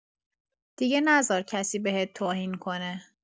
دیگه نذار کسی بهت توهین کنه!